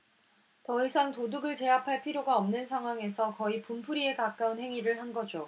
더 이상 도둑을 제압할 필요가 없는 상황에서 거의 분풀이에 가까운 행위를 한 거죠